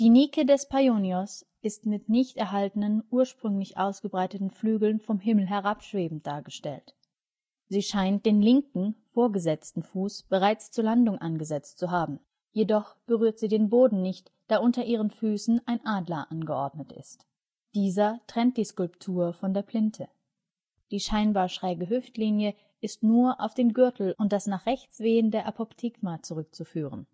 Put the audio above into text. Nike des Paionios ist mit nicht erhaltenen, ursprünglich ausgebreiteten Flügeln vom Himmel herabschwebend dargestellt. Sie scheint den linken, vorgesetzten Fuß bereits zur Landung angesetzt zu haben. Jedoch berührt sie den Boden nicht, da unter ihren Füßen ein Adler angeordnet ist. Dieser trennt die Skulptur von der Plinthe. Die scheinbar schräge Hüftlinie ist nur auf den Gürtel und das nach rechts wehende apoptygma zurückzuführen